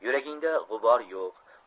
yuragingda g'ubor yo'q